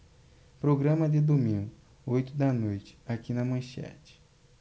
programa de domingo oito da noite aqui na manchete